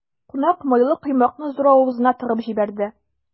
Кунак майлы коймакны зур авызына тыгып җибәрде.